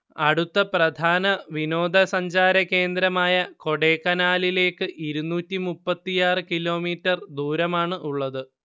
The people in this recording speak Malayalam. അടുത്ത പ്രധാന വിനോദസഞ്ചാരകേന്ദ്രമായ കൊടൈക്കനാലിലേക്ക് ഇരുന്നൂറ്റി മുപ്പത്തിയാറ് കിലോമീറ്റർ ദൂരമാണ് ഉള്ളത്